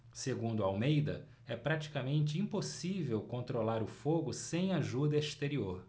segundo almeida é praticamente impossível controlar o fogo sem ajuda exterior